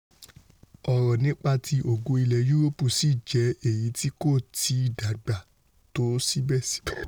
Ọ̀rọ̀ nípa ti ògo ilẹ̀ Yuroopù sì jẹ́ èyití kòtìí dàgbà tó síbẹ̀síbẹ̀.